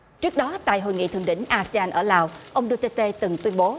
trước đó tại hội nghị thượng đỉnh a si an ở lào ông đu tê tê từng tuyên bố